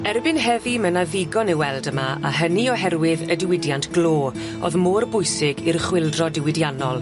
Erbyn heddi ma' 'na ddigon i weld yma a hynny oherwydd y diwydiant glo o'dd mor bwysig i'r chwyldro diwydiannol.